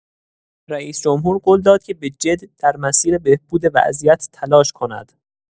رئیس‌جمهور قول داد که به جد در مسیر بهبود وضعیت تلاش کند.